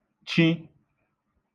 chi